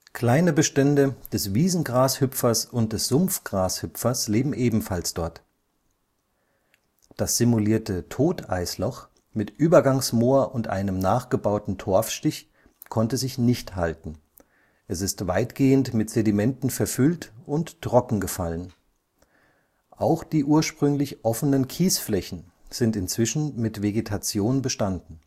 Kleine Bestände des Wiesengrashüpfers und des Sumpfgrashüpfers leben ebenfalls dort. Das simulierte Toteisloch mit Übergangsmoor und einem nachgebauten Torfstich konnte sich nicht halten, es ist weitgehend mit Sedimenten verfüllt und trockengefallen. Auch die ursprünglich offenen Kiesflächen sind inzwischen mit Vegetation bestanden